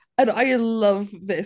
And I love this.